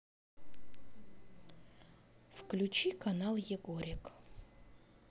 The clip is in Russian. включи канал егорик